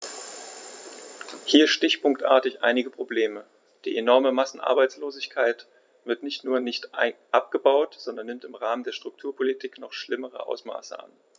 Hier stichpunktartig einige Probleme: Die enorme Massenarbeitslosigkeit wird nicht nur nicht abgebaut, sondern nimmt im Rahmen der Strukturpolitik noch schlimmere Ausmaße an.